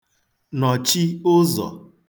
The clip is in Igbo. nọ̀chi ụzọ̀